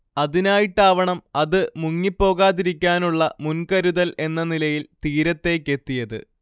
അതിനായിട്ടാവണം അത് മുങ്ങിപ്പോകാതിരിക്കാനുള്ള മുൻ‌കരുതൽ എന്ന നിലയിൽ തീരത്തേക്കെത്തിയത്